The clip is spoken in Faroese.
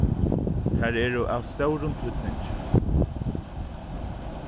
tær eru av stórum týdningi